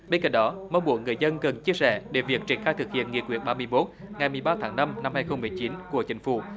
bên cạnh đó mong muốn người dân cần chia sẻ để việc triển khai thực hiện nghị quyết ba mươi mốt ngày mười ba tháng năm năm hai không mười chín của chính phủ